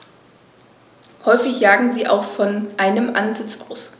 Häufig jagen sie auch von einem Ansitz aus.